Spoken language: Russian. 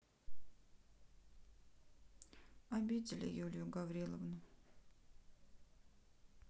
обидели юлию гавриловну